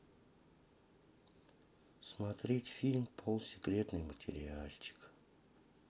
смотреть фильм пол секретный материальчик